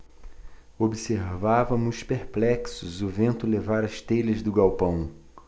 observávamos perplexos o vento levar as telhas do galpão